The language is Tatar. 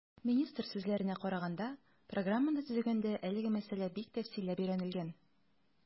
Министр сүзләренә караганда, программаны төзегәндә әлеге мәсьәлә бик тәфсилләп өйрәнелгән.